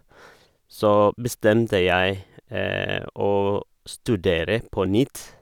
Så bestemte jeg å studere på nytt.